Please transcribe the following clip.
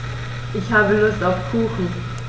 Ich habe Lust auf Kuchen.